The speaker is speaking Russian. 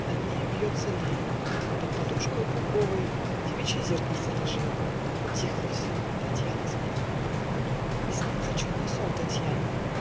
Над нею вьется Лель, А под подушкою пуховой Девичье зеркало лежит. Утихло все. Татьяна спит. И снится чудный сон Татьяне.